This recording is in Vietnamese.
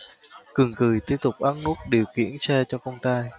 cường cười tiếp tục ấn nút điều kiển xe cho con trai